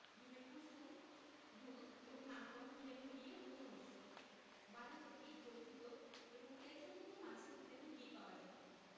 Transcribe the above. ডিমের কুসুম দুধ এবং মাখন ভিটামিন D এর প্রধান উৎস বাঁধাকপি যকৃৎ এবং তেল সমৃদ্ধ মাছে ভিটামিন D পাওয়া যায়